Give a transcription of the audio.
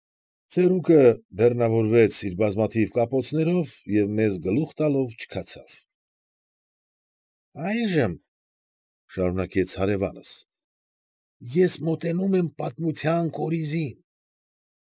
Ծերուկը բեռնավորվեց իր բազմաթիվ կապոցներով և մեզ գլուխ տալով չքացավ։ ֊ Այժմ,֊ շարունակեց հարևանս,֊ ես մոտենում եմ պատմությանս կորիզին։